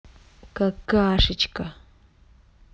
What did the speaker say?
какашечка